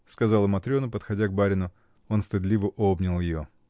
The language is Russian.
— сказала Матрена, подходя к барину. Он стыдливо обнял ее.